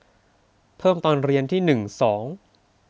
เพิ่มตอนเรียนที่หนึ่งสอง